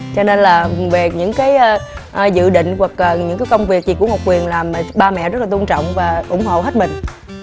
cho nên là về những cái dự định hoặc những cái công việc gì của ngọc quyền làm ba mẹ rất là tôn trọng và ủng hộ hết mình